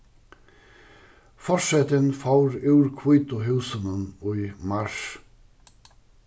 forsetin fór úr hvítu húsunum í mars